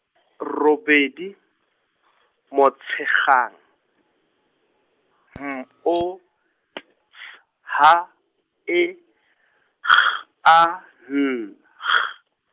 robedi, Motshegang, M O T S H E G A N G.